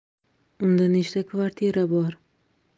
unda nechta kvartira bor